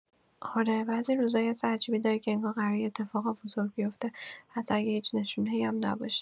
آره، بعضی روزا یه حس عجیبی داری که انگار قراره یه اتفاق بزرگ بیفته، حتی اگه هیچ نشونه‌ای هم نباشه.